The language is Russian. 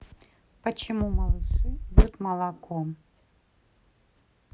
почему малыши пьют молоко